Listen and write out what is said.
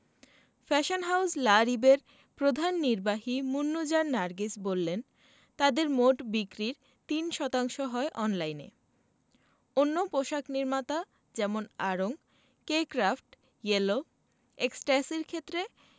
fashion house লা রিবের প্রধান নির্বাহী মুন্নুজান নার্গিস বললেন তাঁদের মোট বিক্রির ৩ শতাংশ হয় অনলাইনে অন্য পোশাক নির্মাতা যেমন আড়ং কে ক্র্যাফট ইয়েলো এক্সট্যাসির ক্ষেত্রে